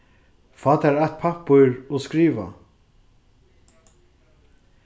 fá tær eitt pappír og skriva